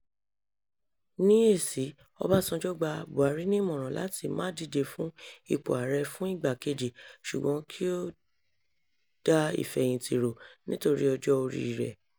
Ní èṣí, Ọbásanjọ́ gba Buhari ni ìmọ̀ràn láti má díje fún ipò Ààrẹ fún ìgbà kejì, ṣùgbọ́n kí ó "da ìfẹ̀yìntì rò nítorí ọjọ́ oríi rẹ̀ ".